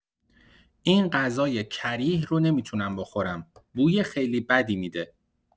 این غذای کریه رو نمی‌تونم بخورم، بوی خیلی بدی می‌ده.